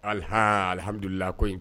Aliha alihadulila ko in